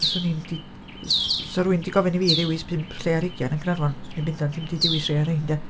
..'Swn i'm di... Sa rhywun 'di gofyn i fi ddewis pump lle ar hugain yn Gaernarfon... 'Swn i'n bendant ddim 'di dewis rhai o'r rhain, de.